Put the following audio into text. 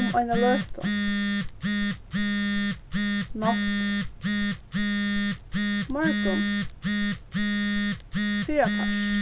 um eina løtu nátt morgun fyrrapart